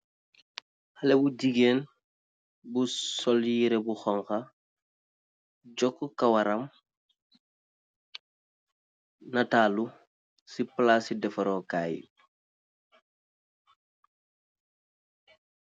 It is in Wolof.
haleh bu jigeen bu sol yehreh bu hougha joku karawam natalu se place defarou kay.